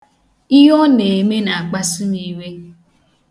Ihe ọ na-eme na-akpasu m iwe.